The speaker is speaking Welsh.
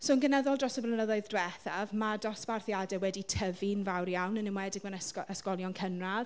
So yn gynyddol dros y blynyddoedd diwethaf ma' dosbarthiadau wedi tyfu'n fawr iawn. Yn enwedig mewn ysg- ysgolion cynradd.